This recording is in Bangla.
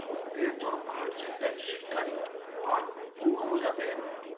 সঙ্গে একজন আর্জেন্টাইন শিকারি আর বোরোরো জাতের